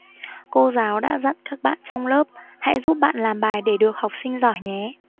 cô giáo đã dặn các bạn trong lớp hãy giúp bạn làm bài để được học sinh giỏi nhé